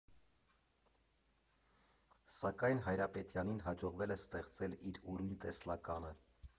Սակայն Հայրապետյանին հաջողվել է ստեղծել իր ուրույն տեսլականը։